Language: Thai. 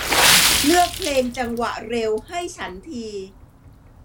เลือกเพลงจังหวะเร็วให้ฉันที